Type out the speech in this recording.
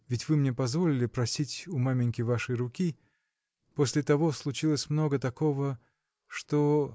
ведь вы мне позволили просить у маменьки вашей руки. После того случилось много такого. что.